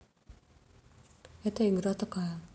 это игра такая